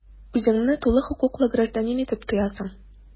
Үзеңне тулы хокуклы гражданин итеп тоясың.